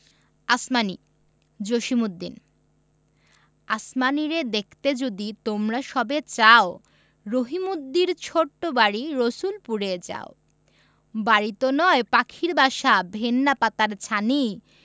আসমানী জসিমউদ্দিন আসমানীরে দেখতে যদি তোমরা সবে চাও রহিমদ্দির ছোট্ট বাড়ি রসুলপুরে যাও বাড়িতো নয় পাখির বাসা ভেন্না পাতার ছানি